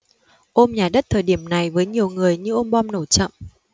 ôm nhà đất thời điểm này với nhiều người như ôm bom nổ chậm